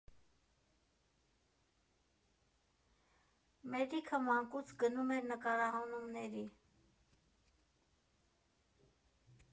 Մելիքը մանկուց գնում էր նկարահանումների.